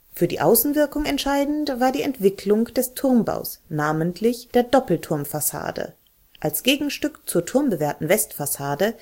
Für die Außenwirkung entscheidend war die Entwicklung des Turmbaus, namentlich der Doppelturmfassade (St. Étienne, Caen). Als Gegenstück zur turmbewehrten Westfassade